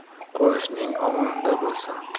qo'shning omonda bo'lsin